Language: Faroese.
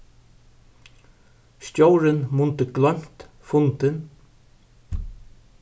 stjórin mundi gloymt fundin